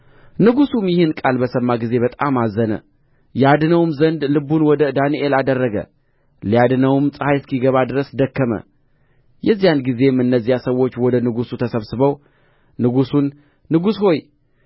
ንጉሡም ይህን ቃል በሰማ ጊዜ በጣም አዘነ ያድነውም ዘንድ ልቡን ወደ ዳንኤል አደረገ ሊያድነውም ፀሐይ እስኪገባ ድረስ ደከመ የዚያን ጊዜም እነዚያ ሰዎች ወደ ንጉሡ ተሰብስበው ንጉሡን ንጉሥ ሆይ